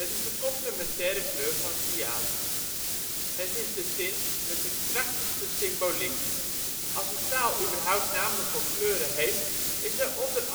is de complementaire kleur van cyaan. Het is de tint met de krachtigste symboliek. Als een taal überhaupt namen voor kleuren heeft, is daaronder